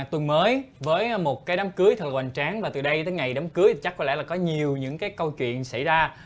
tuần mới với một cái đám cưới thật hoành tráng và từ đây đến ngày đám cưới chắc có lẽ là có nhiều những cái câu chuyện xảy ra